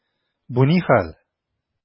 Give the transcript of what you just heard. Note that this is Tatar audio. Бу ни хәл!